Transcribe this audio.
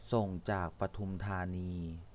ส่งจากปทุมธานี